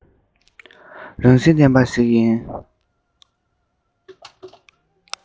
རང བཞིན ལྡན པ ཞིག ཡིན